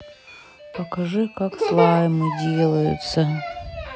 покажи как слаймы делаются